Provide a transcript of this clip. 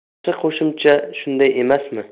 yaxshi qo'shimcha shunday emasmi